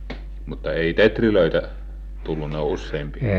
mutta ei teeriä tullut useampia